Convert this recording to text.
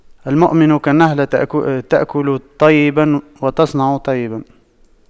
المؤمن كالنحلة تأكل طيبا وتضع طيبا